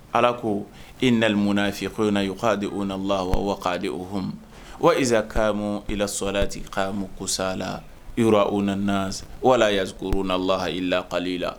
Ala ko